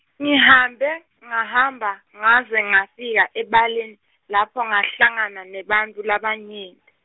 ngihambe, ngahamba, ngaze ngefika ebaleni, lapho ngahlangana nebantfu labanyenti.